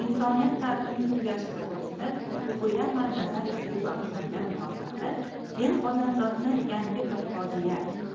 insoniyat tarixining tugashi to'g'risida fukuyama nazariyasiga bag'ishlangan munozarada sen odamzodni yangi bir fojia